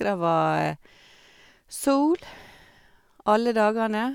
Det var sol alle dagene.